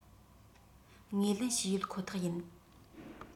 ངོས ལེན ཞུས ཡོད ཁོ ཐག ཡིན